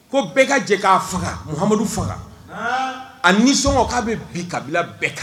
Ko bɛɛ ka jɛ k'a fagahamadu faga ani nisɔnsɔngɔ k'a bɛ bin kabila bɛɛ kan